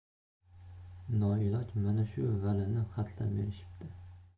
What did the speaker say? noiloj mana shu valini xatlab berishibdi